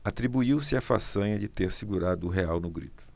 atribuiu-se a façanha de ter segurado o real no grito